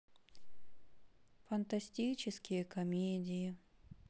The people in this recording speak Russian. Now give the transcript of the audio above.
фантастические комедии